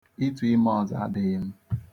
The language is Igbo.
itụ imē ọ̀zọ adịghị m.